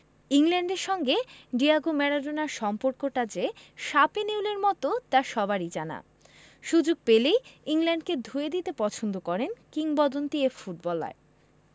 ইংল্যান্ডের সঙ্গে ডিয়েগো ম্যারাডোনার সম্পর্কটা যে শাপে নেউলের মতো তা সবারই জানা সুযোগ পেলেই ইংল্যান্ডকে ধুয়ে দিতে পছন্দ করেন কিংবদন্তি এ ফুটবলার